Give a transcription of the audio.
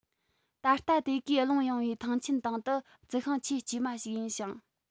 ད ལྟ དེ གའི ཀློང ཡངས པའི ཐང ཆེན སྟེང དུ རྩི ཤིང ཆེས དཀྱུས མ ཞིག ཡིན ཞིང